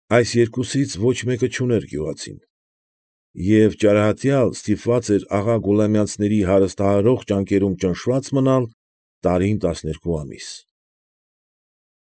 Այս երկուսից ոչ մեկը չուներ գյուղացին, ճարահատյալ ստիպված էր աղա Գուլամյանցների հարստահարող ճանկերում ճնշված մնալ տարին տասներկու ամիս։